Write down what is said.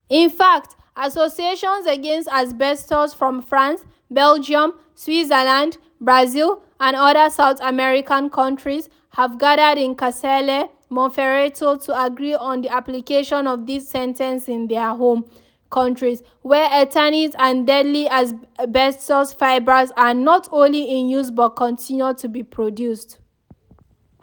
In fact associations against asbestos from France, Belgium, Switzerland, Brazil and other South American countries have gathered in Casale Monferrato to agree on the application of this sentence in their home countries, where Eternit and deadly asbestos fibres are not only in use but continue to be produced.